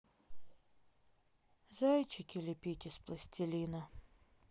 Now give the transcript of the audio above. зайчики лепить из пластилина